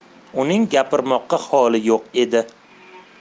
uning gapirmoqqa holi yo'q edi